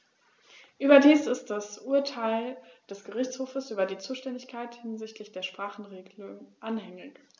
Überdies ist das Urteil des Gerichtshofes über die Zuständigkeit hinsichtlich der Sprachenregelung anhängig.